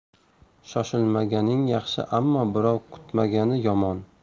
shoshilmaganing yaxshi ammo birov kutmagani yomon